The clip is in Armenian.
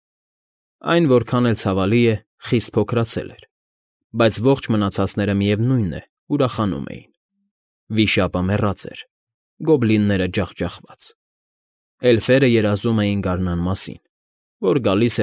Այն, որքան էլ ցավալի է, խսիտ փոքրացել էր, բայց ողջ մնացածները, միևնույն է, ուրախանում էին. վիշապը մեռած էր, գոբլինները՝ ջախջախված, էլֆերը երգում էին գարնան մասին, որ գալիս։